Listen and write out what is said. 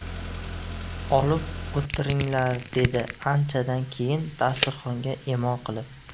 olib o'tiringlar dedi anchadan keyin dasturxonga imo qilib